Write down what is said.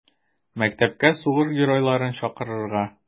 Мәктәпкә сугыш геройларын чакырырга.